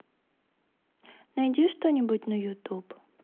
найди что нибудь на ютуб